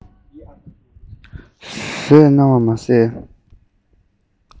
བཟོས གནང བ མ ཟད